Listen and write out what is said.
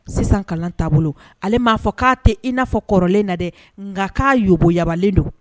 Sisan kalan taabolo ale m'a fɔ k'a tɛ i n'a kɔrɔlen na dɛ nka k'a yybɔ yaabalen don